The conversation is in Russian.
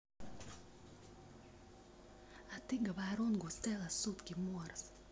а ты говорун густела сутки морс